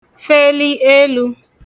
feli elū